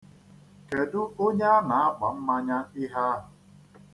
Kedu onye a na-agba mmanya ihe ahụ?